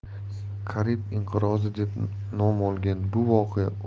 karib inqirozi deb nom olgan bu voqea